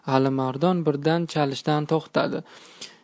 alimardon birdan chalishdan to'xtadi